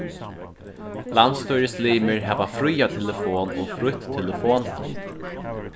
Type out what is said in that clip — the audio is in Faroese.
landsstýrislimir hava fría telefon og frítt telefonhald